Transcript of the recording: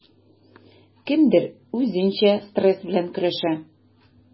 Кемдер үзенчә стресс белән көрәшә.